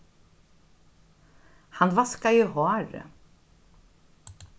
hann vaskaði hárið